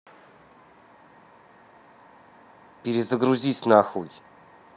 перезагрузись нахуй